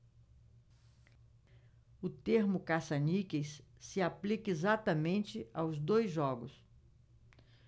o termo caça-níqueis se aplica exatamente aos dois jogos